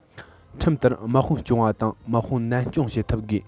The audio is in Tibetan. ཁྲིམས ལྟར དམག དཔུང སྐྱོང བ དང དམག དཔུང ནན སྐྱོང བྱེད ཐུབ དགོས